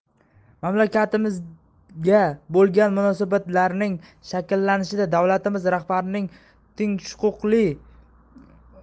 mamlakatimizga bo'lgan munosabatlarning shakllanishida davlatimiz rahbarining